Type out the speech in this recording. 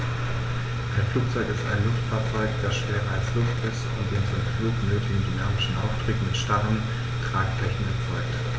Ein Flugzeug ist ein Luftfahrzeug, das schwerer als Luft ist und den zum Flug nötigen dynamischen Auftrieb mit starren Tragflächen erzeugt.